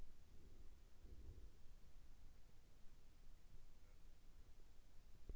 а почему ты с таким страшным голосом